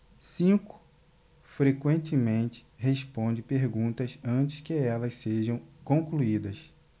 cinco frequentemente responde perguntas antes que elas sejam concluídas